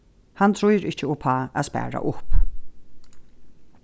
hann trýr ikki upp á at spara upp